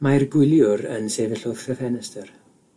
Mae'r gwyliwr yn sefyll wrth y ffenestr